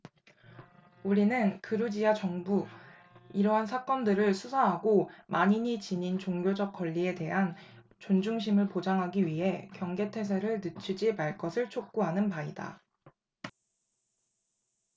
우리는 그루지야 정부가 이러한 사건들을 수사하고 만인이 지닌 종교적 권리에 대한 존중심을 보장하기 위해 경계 태세를 늦추지 말 것을 촉구하는 바이다